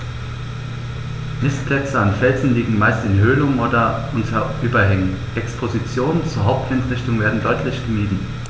Nistplätze an Felsen liegen meist in Höhlungen oder unter Überhängen, Expositionen zur Hauptwindrichtung werden deutlich gemieden.